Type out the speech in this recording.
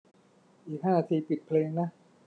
อีกห้านาทีปิดเพลงนะ